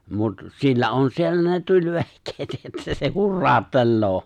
mutta sillä on siellä ne tulivehkeet että se hurauttelee